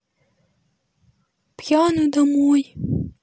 пьяную домой